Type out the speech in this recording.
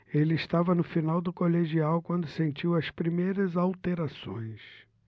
ele estava no final do colegial quando sentiu as primeiras alterações